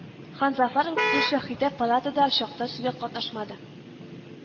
Ханзафаров Гөлшәһидә палатада чакта сүзгә катнашмады